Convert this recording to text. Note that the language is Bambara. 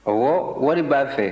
ɔwɔ wari b'a fɛ